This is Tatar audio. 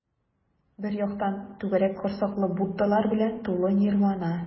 Бер яктан - түгәрәк корсаклы буддалар белән тулы нирвана.